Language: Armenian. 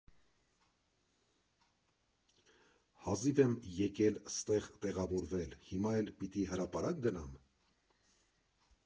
Հազիվ եմ եկել ստեղ տեղավորվել, հիմա էլ պիտի հրապարակ գնա՞մ։